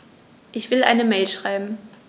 Ich will eine Mail schreiben.